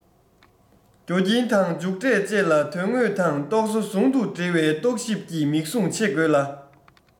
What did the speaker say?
རྒྱུ རྐྱེན དང མཇུག འབྲས བཅས ལ དོན དངོས དང རྟོག བཟོ ཟུང དུ འབྲེལ བའི རྟོག ཞིབ ཀྱི མིག ཟུང ཕྱེ དགོས ལ